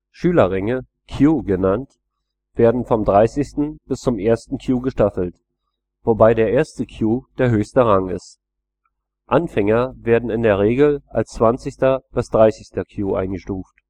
Schülerränge, Kyū genannt, werden vom 30. bis zum 1. Kyū gestaffelt, wobei der 1. Kyū der höchste Rang ist. Anfänger werden in der Regel als 20. bis 30. Kyū eingestuft